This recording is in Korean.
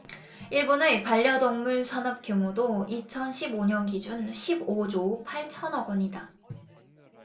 일본의 반려동물 산업 규모도 이천 십 오 년 기준 십 오 조 팔천 억 원이다